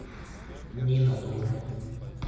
нина дура